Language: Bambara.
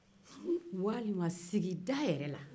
walima sigida yɛrɛ la